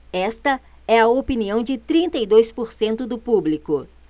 esta é a opinião de trinta e dois por cento do público